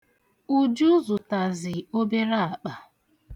Uju zụtazi obere akpa.